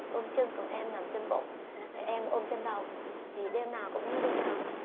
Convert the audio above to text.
ôm chân còn em nằm trong bụng em ôm chân đầu thì đêm nào cũng như đêm nào